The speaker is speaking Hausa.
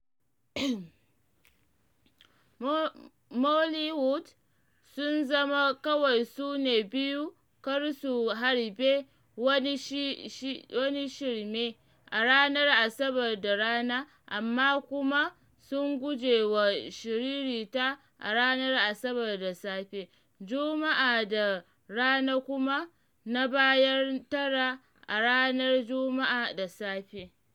“Moliwood” sun zama kawai su ne biyu kar su harbe wani shirme a ranar Asabar da rana amma kuma sun guje wa shiririta a ranar Asabar da safe, Juma’a da rana kuma na bayan tara a ranar Juma’a da safe.